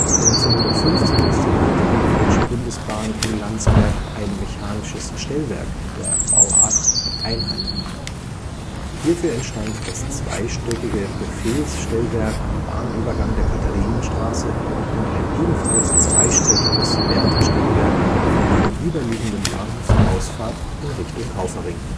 1950 installierte die Deutsche Bundesbahn in Landsberg ein mechanisches Stellwerk der Bauart Einheit. Hierfür entstand das zweistöckige Befehlsstellwerk am Bahnübergang der Katharienstraße und ein ebenfalls zweistöckiges Wärterstellwerk an der gegenüberliegenden Bahnhofsausfahrt in Richtung Kaufering